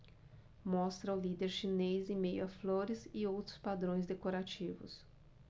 mostra o líder chinês em meio a flores e outros padrões decorativos